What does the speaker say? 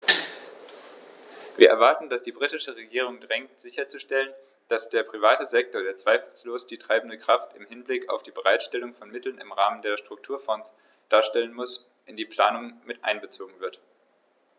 Wir erwarten, dass sie die britische Regierung drängt sicherzustellen, dass der private Sektor, der zweifellos die treibende Kraft im Hinblick auf die Bereitstellung von Mitteln im Rahmen der Strukturfonds darstellen muss, in die Planung einbezogen wird.